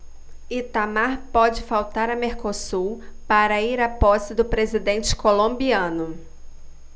itamar pode faltar a mercosul para ir à posse do presidente colombiano